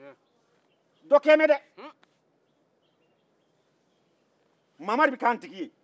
mamari bɛ kɛ an tigi ye